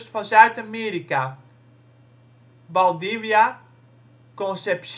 van Zuid-Amerika (Valdivia, Concepción